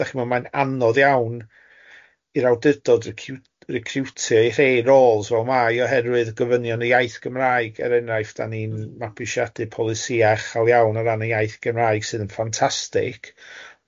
Dach chi'n gwybo mae'n anodd iawn i'r awdurdod recriw- recriwtio i rhei rôls fel mae oherwydd gofynion y iaith Gymraeg, er unrhaifft dan ni'n mabwysiadu polisïa uchel iawn o ran y iaith Gymraeg sydd yn ffantastig,